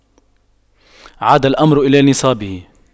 عاد الأمر إلى نصابه